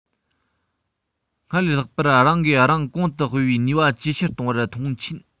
སྔར ལས ལྷག པར རང གིས རང གོང དུ སྤེལ བའི ནུས པ ཇེ ཆེར གཏོང བར མཐོང ཆེན